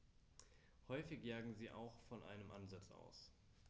Häufig jagen sie auch von einem Ansitz aus.